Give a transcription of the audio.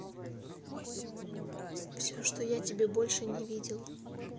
все что я тебе больше не видел